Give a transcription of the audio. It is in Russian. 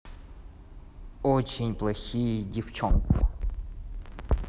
очень плохие девчонки